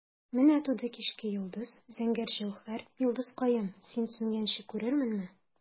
Менә туды кичке йолдыз, зәңгәр җәүһәр, йолдызкаем, син сүнгәнче күрерменме?